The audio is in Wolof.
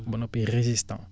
ba noppi résistant